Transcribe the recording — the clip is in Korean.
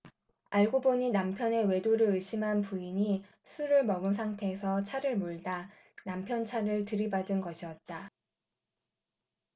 알고 보니 남편의 외도를 의심한 부인이 술을 먹은 상태에서 차를 몰다 남편 차를 들이받은 것이었다